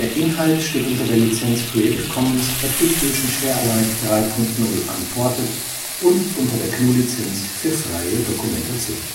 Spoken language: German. Inhalt steht unter der Lizenz Creative Commons Attribution Share Alike 3 Punkt 0 Unported und unter der GNU Lizenz für freie Dokumentation